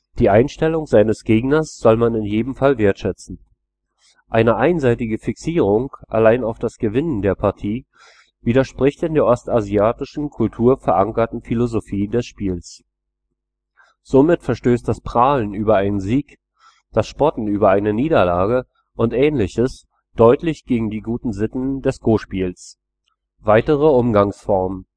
Die Einstellung seines Gegners soll man in jedem Fall wertschätzen. Eine einseitige Fixierung allein auf das Gewinnen der Partie widerspricht der in der ostasiatischen Kultur verankerten Philosophie des Spiels. Somit verstößt das Prahlen über einen Sieg, das Spotten über eine Niederlage und Ähnliches deutlich gegen die guten Sitten des Go-Spiels. Weitere Umgangsformen